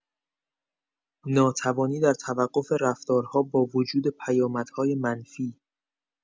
ناتوانی در توقف رفتارها با وجود پیامدهای منفی